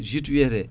jute wiyate